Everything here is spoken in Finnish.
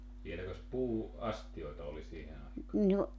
vieläkös - puuastioita oli siihen aikaan